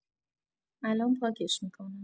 الان پاکش می‌کنم